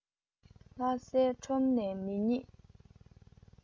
ལྷ སའི ཁྲོམ ནས མི རྙེད